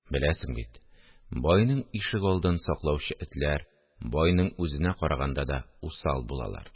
– беләсең бит, байның ишегалдын саклаучы этләр байның үзенә караганда да усал булалар